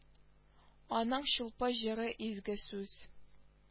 Аның чулпы җыры изге сүз